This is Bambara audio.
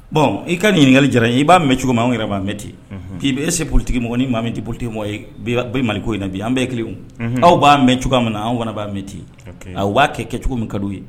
Bon i ka ɲinili jara n ye i b'a mɛncogo ma an yɛrɛ b'a mɛnti k'i bɛ e seolitigi mɔgɔ ni maa minolitigi mali ko in na bi an bɛɛ kelen aw b'a mɛn cogoya min na an fana b'a mɛnti a b'a kɛ kɛ cogo min ka ye